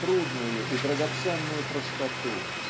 трудную и драгоценную простоту.